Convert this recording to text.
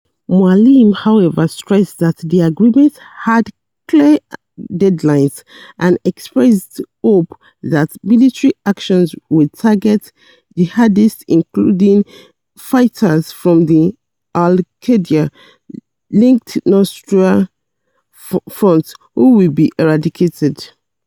Moualem however stressed that the agreement had "clear deadlines" and expressed hope that military action will target jihadists including fighters from the Al-Qaeda-linked Nusra Front, who "will be eradicated."